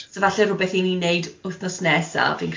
So falle rwbeth i ni'n wneud wthnos nesaf, fi'n credu